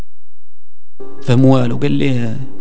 دموع الورد